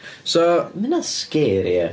So... Mae hynna'n scary ia.